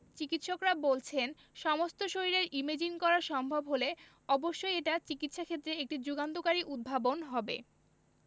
চিকিত্সকরা বলছেন সমস্ত শরীরের ইমেজিং করা সম্ভব হলে অবশ্যই এটা চিকিত্সাক্ষেত্রে একটি যুগান্তকারী উদ্ভাবন হবে